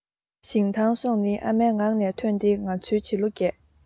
ཞིང ཐང སོགས ནི ཨ མའི ངག ནས ཐོན ཏེ ང ཚོའི བྱིས བློ རྒྱས